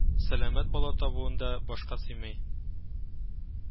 Сәламәт бала табуы да башка сыймый